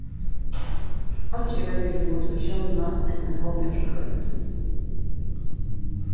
einki er verri fyri motivatiónina enn ein hálvhjartað roynd